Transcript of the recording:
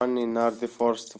giovanni nardi for